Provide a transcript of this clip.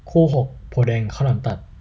คู่หกโพธิ์แดงข้าวหลามตัด